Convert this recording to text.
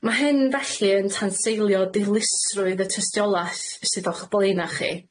Ma' hyn felly yn tanseilio dilysrwydd y tystiolaeth sydd o'ch blaena' chi.